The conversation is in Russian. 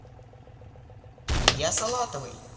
я салатовый